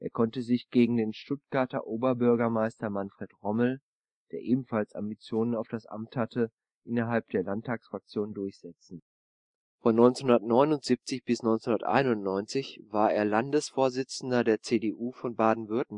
konnte sich gegen den Stuttgarter Oberbürgermeister Manfred Rommel, der ebenfalls Ambitionen auf das Amt hatte, innerhalb der Landtagsfraktion durchsetzen. Von 1979 bis 1991 war er Landesvorsitzender der CDU von Baden-Württemberg